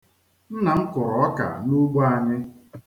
Nna m kụrụ ọka n'ugbo anyị.